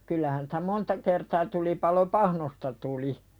kyllähän sitä monta kertaa tulipalo pahnoista tuli